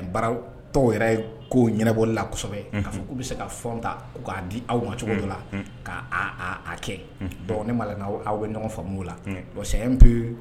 Baara tɔw yɛrɛ ye kobɔlasɛbɛ kaa fɔ u bɛ se ka fɔ ta k'a di aw ma cogo la k' a kɛ ne ma aw bɛ ɲɔgɔn faamu la sɛ bɛ